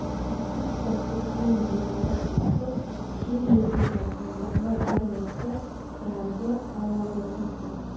Күк вә күкнең югары каты, җир йөзе вә андагы бар нәрсә - Раббы Аллагызныкы.